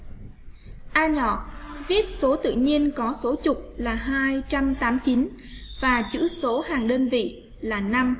em nhỏ viết số tự nhiên có số chục là và chữ số hàng đơn vị là